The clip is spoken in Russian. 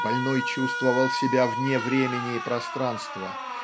Больной чувствовал себя вне времени и пространства